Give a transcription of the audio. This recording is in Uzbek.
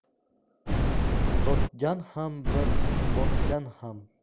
totgan ham bir botgan ham